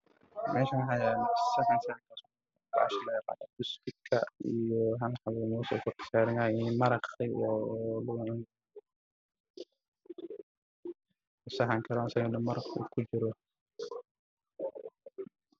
Miisaan waxaa yaalla baaqoli baaqo waxaa ku jiro mar guduud ah waxaana ajaalo saxan ay ku jiraan buskud iyo rooti